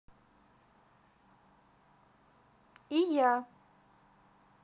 и я